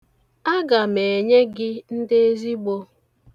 Aga m enye gị ndị ezigbo.